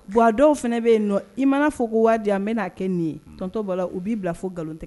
Buwa dɔw fana bɛ yen nɔ i mana fɔ ko waajibi n bɛ'a kɛ nin ye tɔntɔbɔ u b'i bila fo nkalon tɛ